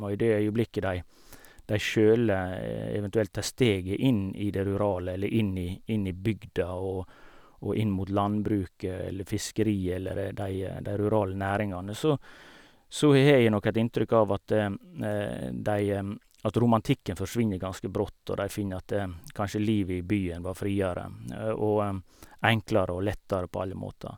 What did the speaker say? Og i det øyeblikket de de sjøl eventuelt tar steget inn i det rurale eller inn i inn i bygda og og inn mot landbruket eller fiskeriet eller de de rurale næringene, så så har jeg nok et inntrykk av at de at romantikken forsvinner ganske brått, og de finner at kanskje livet i byen var friere og enklere og lettere på alle måter.